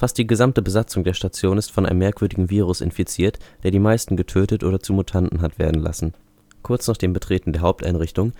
die gesamte Besatzung der Station ist von einem merkwürdigen Virus infiziert, der die meisten getötet oder zu Mutanten hat werden lassen. Kurz nach dem Betreten der Haupteinrichtung